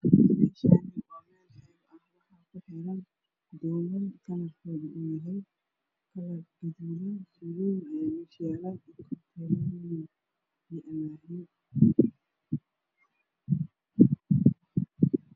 Meeshaani waa meel xeeb ah waxa ku xiran dooman kalarkeedu yahay guduud fiilooyin Aya meesha yaalo iyo alwaaxyo